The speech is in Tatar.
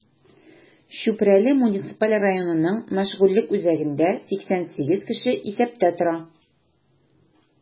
Чүпрәле муниципаль районының мәшгульлек үзәгендә 88 кеше исәптә тора.